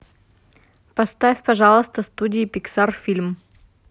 поставь пожалуйста студии пиксар фильм